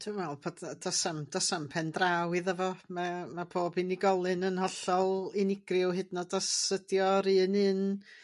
Dwi'n me'wl do's 'am do's 'am pen draw iddo fo mae yy ma' pob unigolyn yn hollol unigryw hyd yn o'd os ydi o'r un un